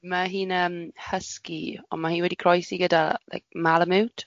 Ma' hi'n yym husky, ond ma' hi wedi croesi gyda like malamute. Reit.